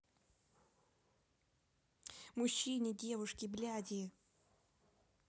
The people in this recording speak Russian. мужчине девушки бляди